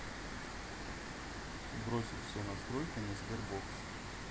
бросить все настройки на sberbox